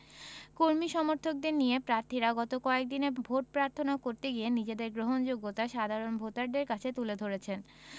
কর্মী সমর্থকদের নিয়ে প্রার্থীরা গত কয়েক দিনে ভোট প্রার্থনা করতে গিয়ে নিজেদের গ্রহণযোগ্যতা সাধারণ ভোটারদের কাছে তুলে ধরেছেন